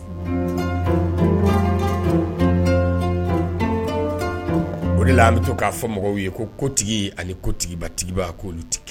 O de an bɛ to k'a fɔ mɔgɔw ye ko kotigi ani kotigibatigiba tɛ